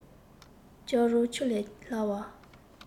སྐྱག རོ ཆུ ལས སླ བ